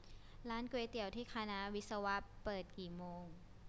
ร้านก๋วยเตี๋ยวที่คณะวิศวะเปิดกี่โมง